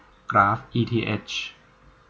กราฟอีทีเฮช